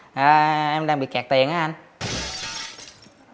à em đang bị kẹt tiền á anh a